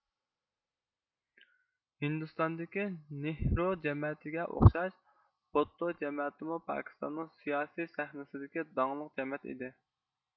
ھىندىستاندىكى نېھرۇ جەمەتىگە ئوخشاش بوتتو جەمەتىمۇ پاكىستاننىڭ سىياسىي سەھنىسىدىكى داڭلىق جەمەت ئىدى